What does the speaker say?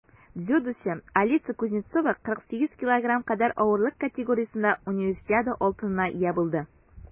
Дзюдочы Алеся Кузнецова 48 кг кадәр авырлык категориясендә Универсиада алтынына ия булды.